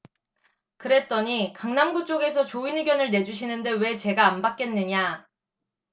그랬더니 강남구 쪽에서 좋은 의견을 내주시는데 왜 제가 안 받겠느냐